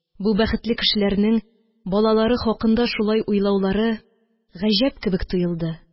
Бу бәхетле кешеләрнең балалары хакында шулай уйлаулары гаҗәп кебек тоелды.